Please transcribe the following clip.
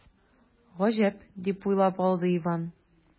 “гаҗәп”, дип уйлап алды иван.